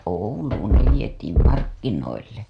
Ouluun ne vietiin markkinoille